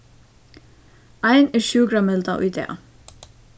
ein er sjúkrameldað í dag